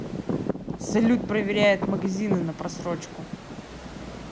салют проверяет магазины на просрочку